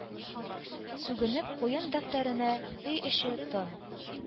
Сүгенеп, куен дәфтәренә өй эче тын.